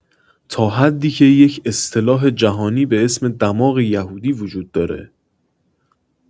تا حدی که یک اصطلاح جهانی به اسم دماغ یهودی وجود داره.